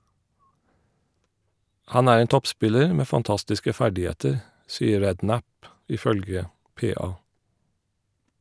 Han er en toppspiller med fantastiske ferdigheter, sier Redknapp, ifølge PA.